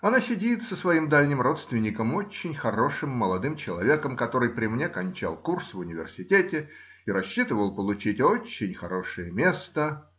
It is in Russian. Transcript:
она сидит с своим дальним родственником, очень хорошим молодым человеком, который при мне кончал курс в университете и рассчитывал получить очень хорошее место.